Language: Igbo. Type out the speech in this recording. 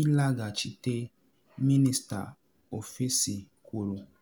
ịlaghachite, Minista Ofesi kwuru